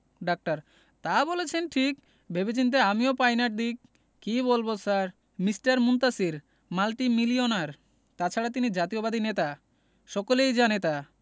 doctor তা বলেছেন ঠিক ভেবে চিন্তে আমিও পাই না দিক কি বলব স্যার মিঃ মুনতাসীর মাল্টিমিলিওনার তাছাড়া তিনি জাতীয়বাদী নেতা সকলেই জানে তা